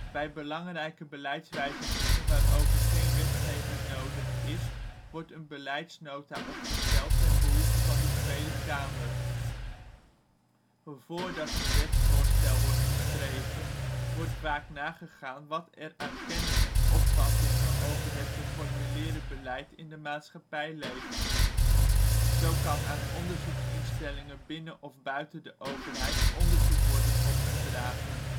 Bij belangrijke beleidswijzigingen waarover geen wetgeving nodig is wordt een beleidsnota opgesteld ten behoeve van de Tweede Kamer. Voordat een wetsvoorstel wordt geschreven wordt vaak nagegaan wat er aan kennis en opvattingen over het te formuleren beleid in de maatschappij leeft. Zo kan aan onderzoeksinstellingen binnen of buiten de overheid onderzoek worden opgedragen